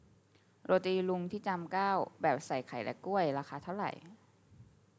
โรตีลุงที่จามเก้าแบบใส่ไข่และกล้วยราคาเท่าไหร่